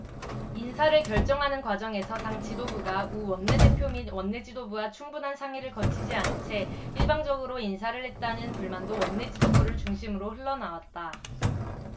인사를 결정하는 과정에서 당 지도부가 우 원내대표 및 원내지도부와 충분한 상의를 거치지 않은 채 일방적으로 인사를 했다는 불만도 원내지도부를 중심으로 흘러나왔다